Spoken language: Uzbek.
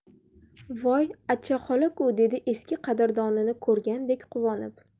voy acha xola ku dedi eski qadrdonini ko'rgandek quvonib